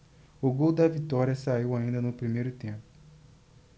o gol da vitória saiu ainda no primeiro tempo